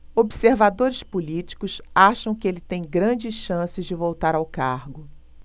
observadores políticos acham que ele tem grandes chances de voltar ao cargo